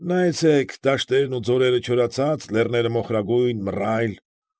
Նայեցեք, դաշտերն ու ձորերը չորացած, լեռները մոխրագույն, մռայլ։